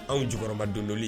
Aw jukɔma donli